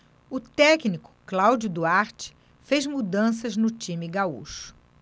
o técnico cláudio duarte fez mudanças no time gaúcho